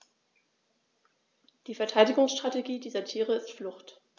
Die Verteidigungsstrategie dieser Tiere ist Flucht.